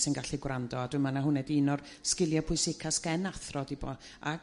sy'n gallu gwrando a dwi me'l ma' hwnna 'di un o'r sgilie pwysica s'gen athro 'di bo' ac